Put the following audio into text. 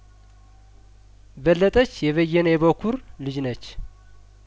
በለጠች የበየነ የበኩር ልጅነች